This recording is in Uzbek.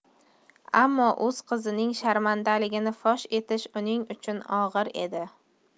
ammo o'z qizining sharmandaligini fosh etish uning uchun og'ir edi